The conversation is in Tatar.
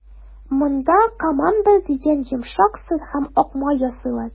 Монда «Камамбер» дигән йомшак сыр һәм ак май ясыйлар.